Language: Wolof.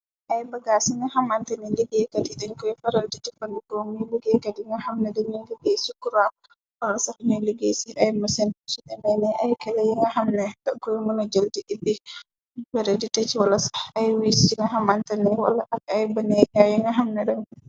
Ay bagaas yinga xamantani liggéykat yi den koy faral di tufandikoo muy buggéekat yi nga xamna dañuy liggéey ci kurak. Wala sax ñuy liggéey ci ay mësen, ci demeni ay kala yi nga xam na ta koy mëna jël ti idbi fera di tëc wala sax ay wiis ci nga xamantani wala ak ay baneekaa yi nga xamna rem.